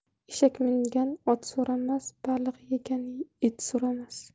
eshak mingan ot so'ramas baliq yegan et so'ramas